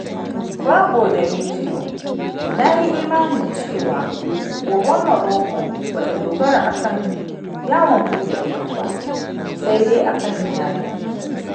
Vago Damitio:] Na yi imanin cewa, goben Morocco ba ta dogara a kan yawon buɗe ido ba sai dai a kan yanar gizo.